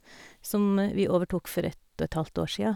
Som vi overtok for ett og et halvt år sia.